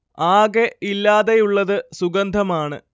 ആകെ ഇല്ലാതെയുള്ളത് സുഗന്ധമാണ്